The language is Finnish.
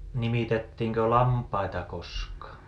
nimitettiinkö lampaita koskaan